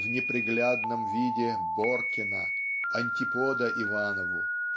в неприглядном виде Боркина антипода Иванову